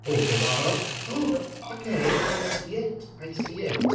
O ok barod... ydw ... ok I see it, I see it.